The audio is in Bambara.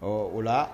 Ɔ o la